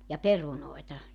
ja perunoita